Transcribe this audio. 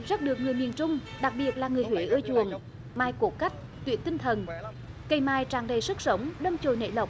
rất được người miền trung đặc biệt là người huế ưa chuộng mai một cắt thân thân cây mai tràn đầy sức sống đâm chồi nảy lộc